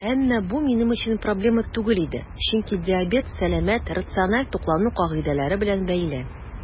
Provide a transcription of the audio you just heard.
Әмма бу минем өчен проблема түгел иде, чөнки диабет сәламәт, рациональ туклану кагыйдәләре белән бәйле.